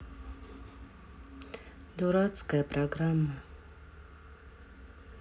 дурацкая программа